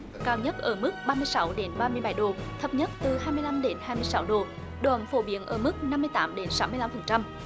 cao nhất ở mức ba mươi sáu đến ba mươi bảy độ thấp nhất từ hai mươi lăm đến hai mươi sáu độ đoạn phổ biến ở mức năm mươi tám đến sáu mươi lăm phần trăm